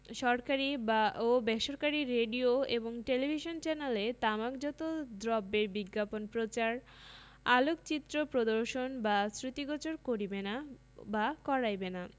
ও বেসরকারী রেডিও এবং টেলিভিশন চ্যানেলে তামাকজাত দ্রব্যের বিজ্ঞাপন প্রচার আলেঅকচিত্র প্রদর্শন বা শ্রুতিগোচর করিবে না বা করাইবে না